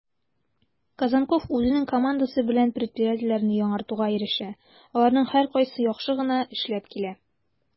Козонков үзенең командасы белән предприятиеләрне яңартуга ирешә, аларның һәркайсы яхшы гына эшләп килә: